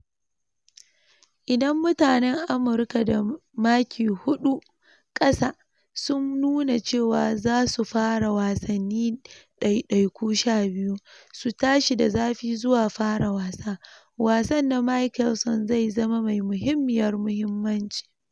Idan mutanen amurka, da maki hudu kasa sun nuna cewa za su fara wasanni daidaiku 12, su tashi da zafi zuwa fara wasa, wasan na Mickelson zai zama mai muhimmiyar mahimmanci.